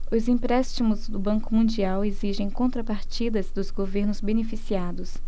os empréstimos do banco mundial exigem contrapartidas dos governos beneficiados